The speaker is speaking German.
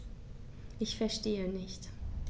Ich verstehe nicht.